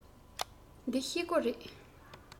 འདི ཤེལ སྒོ རེད